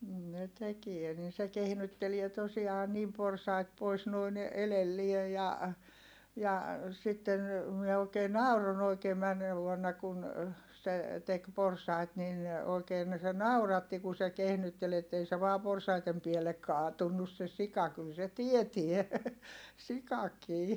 niin ne tekee niin se kehnyttelee tosiaan niin porsaita pois noin edelle ja ja sitten minä oikein nauroin oikein menneenä vuonna kun se teki porsaita niin oikein se nauratti kun se kehnytteli että ei se vain porsaiden päälle kaatunut se sika kyllä se tietää sikakin